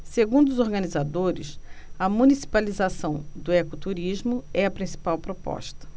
segundo os organizadores a municipalização do ecoturismo é a principal proposta